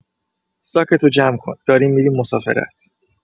ساکتو جمع‌کن، داریم می‌ریم مسافرت!